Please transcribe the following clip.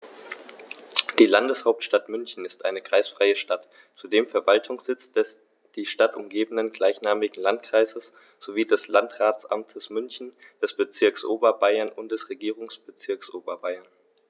Die Landeshauptstadt München ist eine kreisfreie Stadt, zudem Verwaltungssitz des die Stadt umgebenden gleichnamigen Landkreises sowie des Landratsamtes München, des Bezirks Oberbayern und des Regierungsbezirks Oberbayern.